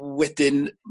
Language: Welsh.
wedyn